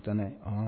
U tan